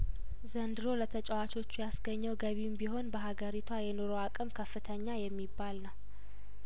ዘንድሮ ለተጨዋቾቹ ያስገኘው ገቢም ቢሆን በሀገሪቷ የኑሮ አቅም ከፍተኛ የሚባል ነው